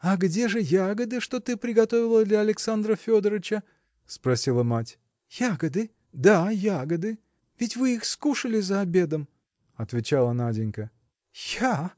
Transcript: – А где ж ягоды, что ты приготовила для Александра Федорыча? – спросила мать. – Ягоды? – Да, ягоды. – Ведь вы их скушали за обедом. – отвечала Наденька. – Я!